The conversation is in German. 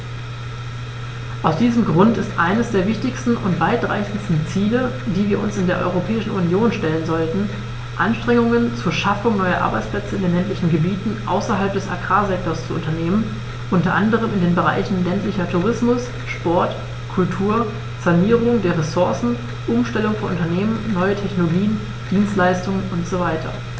Aus diesem Grund ist es eines der wichtigsten und weitreichendsten Ziele, die wir uns in der Europäischen Union stellen sollten, Anstrengungen zur Schaffung neuer Arbeitsplätze in den ländlichen Gebieten außerhalb des Agrarsektors zu unternehmen, unter anderem in den Bereichen ländlicher Tourismus, Sport, Kultur, Sanierung der Ressourcen, Umstellung von Unternehmen, neue Technologien, Dienstleistungen usw.